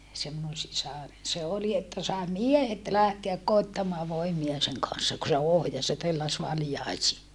se minun sisareni se oli että sai miehet lähteä koettamaan voimia sen kanssa kun se ohjasi ja telläsi valjaisiin